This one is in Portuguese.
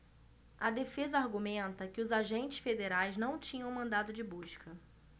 a defesa argumenta que os agentes federais não tinham mandado de busca